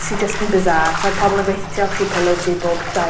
sy jyst yn bizarre t'od pobol yn gweutho ti olchi pillow ti bob dau